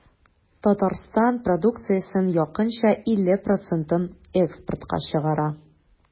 Татарстан продукциясенең якынча 50 процентын экспортка чыгара.